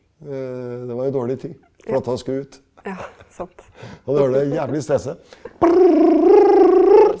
det var dårlig tid for dette skulle ut og det gjør deg jævlig stressa .